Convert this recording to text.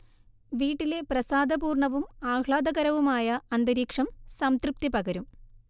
വീട്ടിലെ പ്രസാദപൂർണവും ആഹ്ലാദകരവുമായ അന്തരീക്ഷം സംതൃപ്തി പകരും